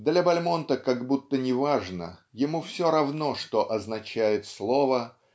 Для Бальмонта как будто не важно ему все равно что означает слово